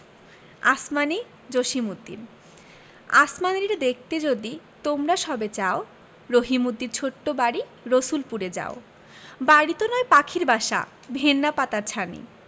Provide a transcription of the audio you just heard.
আসমানী জসিমউদ্দিন আসমানীরে দেখতে যদি তোমরা সবে চাও রহিমদ্দির ছোট্ট বাড়ি রসুলপুরে যাও বাড়িতো নয় পাখির বাসা ভেন্না পাতার ছানি